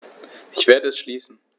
Ich werde es schließen.